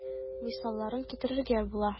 Мисалларын китерергә була.